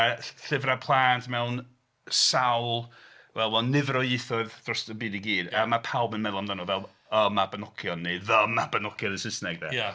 ..A ll- llyfrau plant mewn sawl Wel mewn nifer o ieithoedd dros y byd i gyd. A mae pawb yn meddwl amdano fel Y Mabiniogion neu The Mabiniogion yn Saesneg de... Ia.